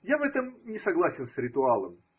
Я в этом не согласен с ритуалом.